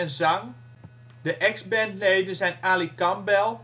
zang De ex-bandleden zijn: Ali Campbell